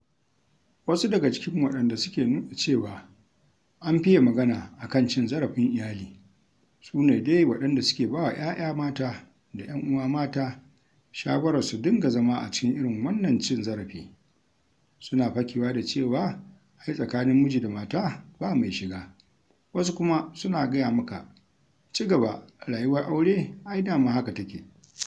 Wasu daga cikin waɗanda suke … nuna cewa an fiye [magana a kan cin zarafin iyali], su ne dai waɗanda suke ba wa 'ya'ya mata da 'yan'uwa mata shawarar su dinga zama a cikin irin wannan cin zarafi, suna fakewa da cewa ai tsakanin miji da mata ba mai shiga, wasu kuma suna gaya ma ka cigaba, rayuwar aure ai dama haka take...